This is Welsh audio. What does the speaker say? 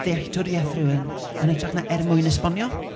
ddealltwriaeth rhywun yn hytrach na er mwyn esbonio.